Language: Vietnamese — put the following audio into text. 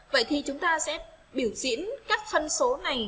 vậy thì chúng ta sẽ biểu diễn các phân số này